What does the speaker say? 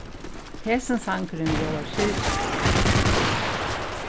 hesin sangurin ljóðar syrgiligur